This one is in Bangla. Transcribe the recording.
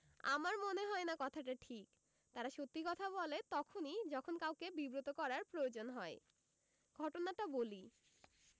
আমার মনে হয় না কথাটা ঠিক তারা সত্যি কথা বলে তখনি যখন কাউকে বিব্রত করার প্রয়োজন হয় ঘটনাটা বলি